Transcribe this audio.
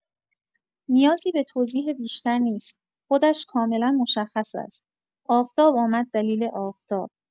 نیازی به توضیح بیشتر نیست، خودش کاملا مشخص است، آفتاب آمد دلیل آفتاب!